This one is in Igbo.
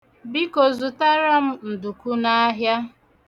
Biko zụtara m nduku n'ahịa.